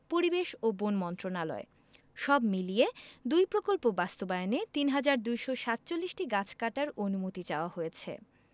পরিবেশ ও বন মন্ত্রণালয় সব মিলিয়ে দুই প্রকল্প বাস্তবায়নে ৩হাজার ২৪৭টি গাছ কাটার অনুমতি চাওয়া হয়েছে